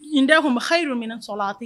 Nin da kun halidu minna sɔrɔ a tɛ